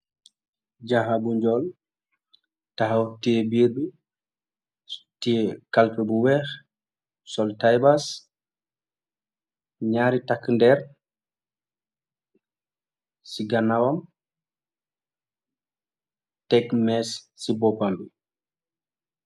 jaaha bu njool taxaw tee biir bi tie kalpe bu weex sol taybas ñaari takk ndeer ci ganawam teg mees ci boppam bi